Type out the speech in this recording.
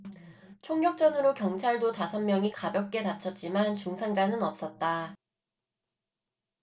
총격전으로 경찰도 다섯 명이 가볍게 다쳤지만 중상자는 없었다